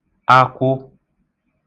akwụ